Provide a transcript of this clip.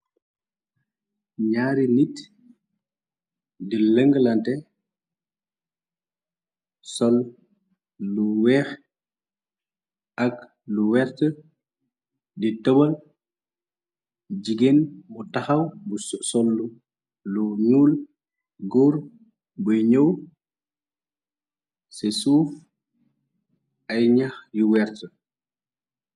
N'aari nit di lënglante sol lu weex ak lu wert di tewal jigéen mu taxaw bu sollu lu nuul góor buy ñëw ci suuf ay ñax yu wert.